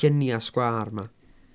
Lluniau sgwâr 'ma.